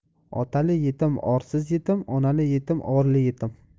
otali yetim orsiz yetim onali yetim orli yetim